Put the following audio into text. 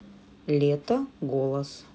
лето голос